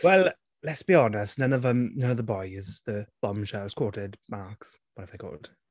Wel let's be honest none of them, none of the boys the bombshells, quoted marks whatever they're called...